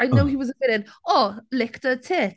*I know he was a villain...O! "Licked her tit."